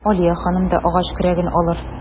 Алия ханым да агач көрәген алыр.